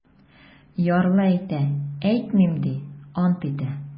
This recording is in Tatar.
Ярлы әйтә: - әйтмим, - ди, ант итә.